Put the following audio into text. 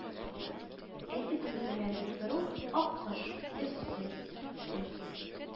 Əйтү күнекмəлəре булдыру аккош, эссе, китте